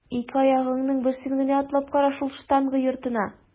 Ике аягыңның берсен генә атлап кара шул штанга йортына!